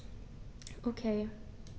Okay.